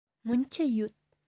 སྔོན ཆད ཡོད